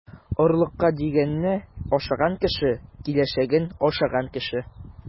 Орлыкка дигәнне ашаган кеше - киләчәген ашаган кеше.